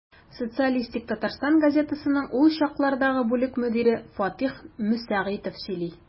«социалистик татарстан» газетасының ул чаклардагы бүлек мөдире фатыйх мөсәгыйтов сөйли.